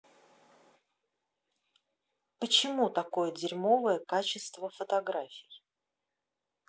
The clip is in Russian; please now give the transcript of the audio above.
почему такое дерьмовое качество фотографий